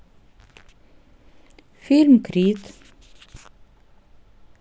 фильм крит